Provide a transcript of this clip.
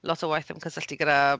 Lot o waith ymgysylltu gyda...